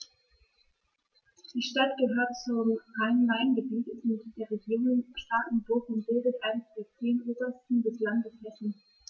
Die Stadt gehört zum Rhein-Main-Gebiet und der Region Starkenburg und bildet eines der zehn Oberzentren des Landes Hessen.